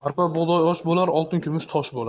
arpa bug'doy osh bo'lar oltin kumush tosh bo'lar